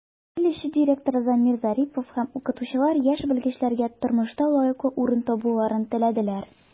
Училище директоры Замир Зарипов һәм укытучылар яшь белгечләргә тормышта лаеклы урын табуларын теләделәр.